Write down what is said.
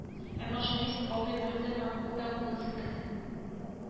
Ә машинист абый көлде һәм ул да кулын селкеде